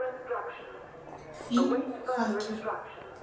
фильм хакер